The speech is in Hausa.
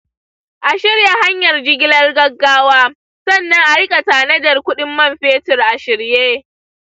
a shirya hanyar jigilar gaggawa, sannan a riƙa tanadar kuɗin man fetur a shirye.